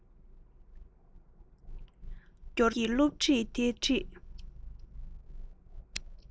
བསྒྱུར རྩོམ གྱི སློབ ཚན དེ ཁྲིད